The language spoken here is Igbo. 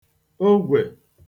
ogwè